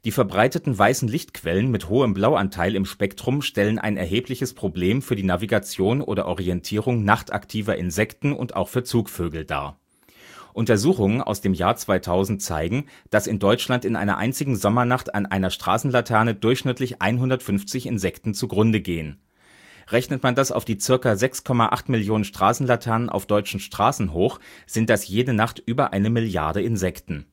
verbreiteten weißen Lichtquellen mit hohem Blauanteil im Spektrum stellen ein erhebliches Problem für die Navigation oder Orientierung nachtaktiver Insekten und auch für Zugvögel dar. Untersuchungen aus dem Jahr 2000 zeigen, dass in Deutschland in einer einzigen Sommernacht an einer Straßenlaterne durchschnittlich 150 Insekten zugrunde gehen. Rechnet man das auf die ca. 6,8 Millionen Straßenlaternen auf deutschen Straßen hoch, sind das jede Nacht über eine Milliarde Insekten